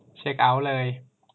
เช็คเอ้าท์เลย